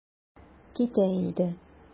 Китә инде.